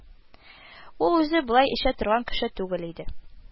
Ул үзе болай эчә торган кеше түгел иде